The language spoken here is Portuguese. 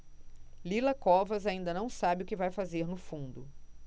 lila covas ainda não sabe o que vai fazer no fundo